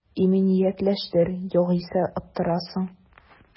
Иминиятләштер, югыйсә оттырасың